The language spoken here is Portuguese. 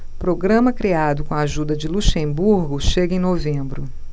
programa criado com a ajuda de luxemburgo chega em novembro